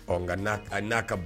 Ɔ ŋa n'a k a n'a ka b